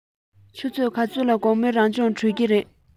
ཆུ ཚོད ག ཚོད ལ དགོང མོའི རང སྦྱོང གྲོལ གྱི རེད